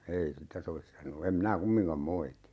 ei sitä sovi sanoa en minä kumminkaan moiti